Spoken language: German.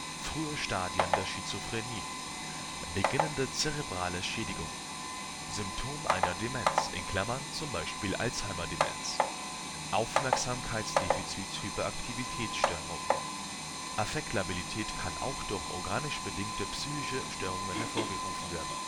frühe Stadien der Schizophrenie beginnende cerebrale Schädigung Symptom einer Demenz (z. B. Alzheimer-Demenz) Aufmerksamkeitsdefizit -/ Hyperaktivitätsstörung Affektlabilität kann auch durch organisch bedingte psychische Störungen hervorgerufen werden